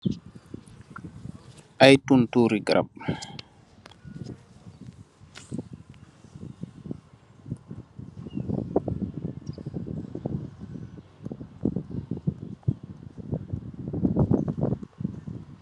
Aye tontoori garap.